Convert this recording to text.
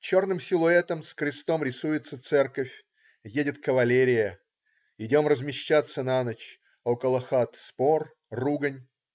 Черным силуэтом с крестом рисуется церковь. Едет кавалерия. Идем размещаться на ночь. Около хат спор, ругань.